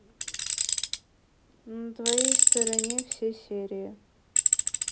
на твоей стороне все серии